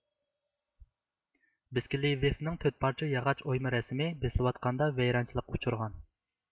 بىسكىلىۋىفنىڭ تۆت پارچە ياغاچ ئويما رەسىمى بېسىلىۋاتقاندا ۋەيرانچىلىققا ئۇچرىغان